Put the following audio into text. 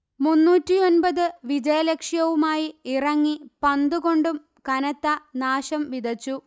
മൂന്നൂറ്റിയൊന്പത് വിജയ ലക്ഷ്യവുമായി ഇറങ്ങി പന്തു കൊണ്ടും കനത്ത നാശം വിതച്ചു